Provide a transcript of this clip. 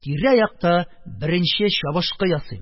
Тирә-якта беренче чабышкы ясыйм!